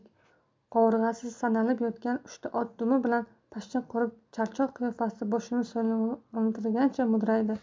qovurg'asi sanalib qolgan uchta ot dumi bilan pashsha qo'rib charchoq qiyofada boshini solintirgancha mudraydi